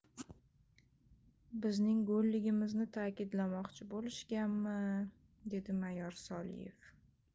bizning go'lligimizni ta'kidlamoqchi bo'lishganmi dedi mayor soliev